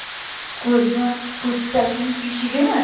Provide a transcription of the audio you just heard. ko'zmi po'stakning teshigimi